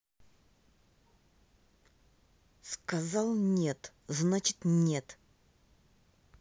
сказал нет значит нет